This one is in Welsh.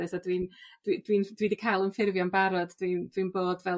Ie so dwi'n dwi dwi'n dwi 'di ca'l 'yn ffurfio'n barod dwi'n dwi'n bod fel